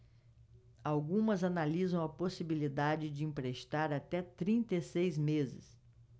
algumas analisam a possibilidade de emprestar até trinta e seis meses